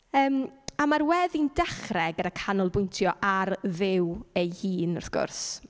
Yym a ma'r weddi'n dechrau gyda canolbwyntio ar Dduw ei hun, wrth gwrs.